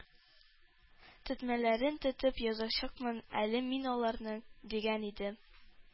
Тетмәләрен тетеп язачакмын әле мин аларның“, — дигән идем.